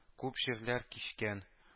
Күп җирләр кичкән